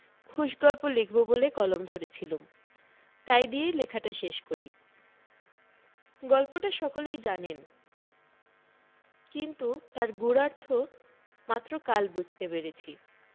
খুশ গল্প লিখব বলে কলম ধরেছিলুম তাই দিয়ে লেখাটা শেষ করি গল্পটা সকলেই জানেন কিন্তু তার গূঢ়ার্থ মাত্র কাল বুঝতে পেরেছি